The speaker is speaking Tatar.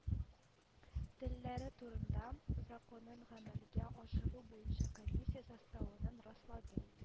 Телләре турында” законын гамәлгә ашыру буенча комиссия составын раслады